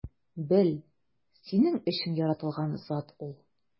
Бел: синең өчен яратылган зат ул!